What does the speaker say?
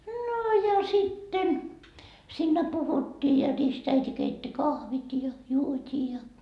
no ja sitten siinä puhuttiin ja ristiäiti keitti kahvit ja juotiin ja